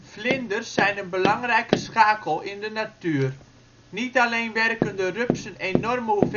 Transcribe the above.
Vlinders zijn een belangrijke schakel in de natuur. Niet alleen werken de rupsen enorme